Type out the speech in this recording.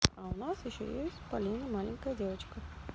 а у нас еще есть полина маленькая девочка